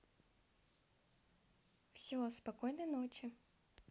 все спокойной ночи